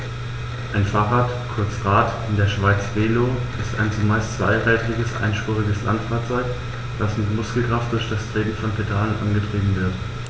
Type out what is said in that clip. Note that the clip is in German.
Ein Fahrrad, kurz Rad, in der Schweiz Velo, ist ein zumeist zweirädriges einspuriges Landfahrzeug, das mit Muskelkraft durch das Treten von Pedalen angetrieben wird.